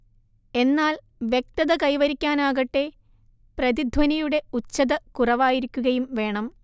എന്നാൽ വ്യക്തത കൈവരിക്കാനാകട്ടെ പ്രതിധ്വനിയുടെ ഉച്ചത കുറവായിരിക്കുകയും വേണം